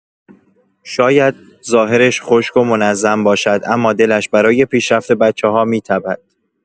شاید ظاهرش خشک و منظم باشد اما دلش برای پیشرفت بچه‌ها می‌تپد.